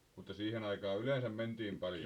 mutta siihen aikaan yleensä mentiin paljon